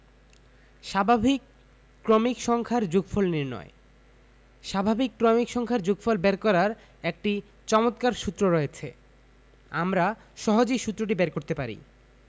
স্বাভাবিক ক্রমিক সংখ্যার যোগফল নির্ণয় স্বাভাবিক ক্রমিক সংখ্যার যোগফল বের করার একটি চমৎকার সূত্র রয়েছে আমরা সহজেই সুত্রটি বের করতে পারি